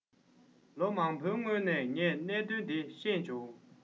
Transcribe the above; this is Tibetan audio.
ལོ མང པོའི སྔོན ནས ངས གནད དོན དེ ཤེས བྱུང